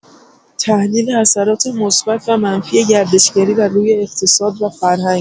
تحلیل اثرات مثبت و منفی گردشگری بر روی اقتصاد و فرهنگ